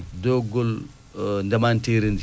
dookgol ndemanteeri ndii